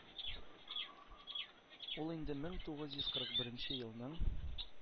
Ул инде мең тугыз йөз кырык беренче елның